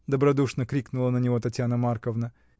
— добродушно крикнула на него Татьяна Марковна.